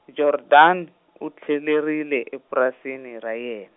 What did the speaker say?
Jordaan, u tlhelerile epurasini ra yen-.